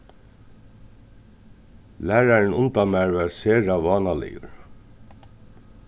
lærarin undan mær var sera vánaligur